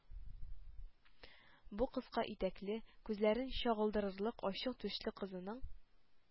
Бу кыска итәкле, күзләрне чагылдырырлык ачык түшле кызның